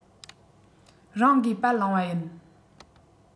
རང གིས པར བླངས པ ཡིན